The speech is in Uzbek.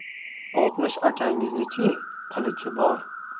oltmish akangizni chi qilichi bor